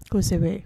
Kosɛbɛ